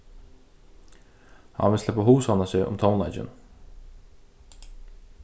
hann vil sleppa at hugsavna seg um tónleikin